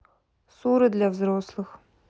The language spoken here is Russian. суры для взрослых